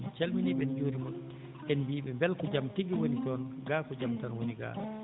en calminii ɓe en njuuriima ɓe en mbiyii ɓe mbele ko jam tigi woni toon gaa ko jam tan woni gaa